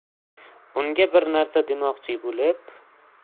unga bir narsa demoqchi bo'lib